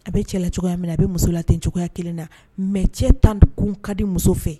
A bɛ cɛ la cogoyaya min na a bɛ muso la ten cogoyaya kelen na mɛ cɛ tan kun ka di muso fɛ